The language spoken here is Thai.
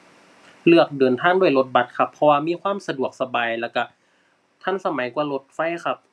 เลือกเดินทางด้วยรถบัสครับ เพราะว่ามีความสะดวกสบาย แล้วก็ทันสมัยกว่ารถไฟครับ